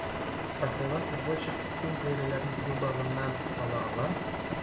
Пәһлеван извозчик күн бияләйләрен билбавыннан ала-ала: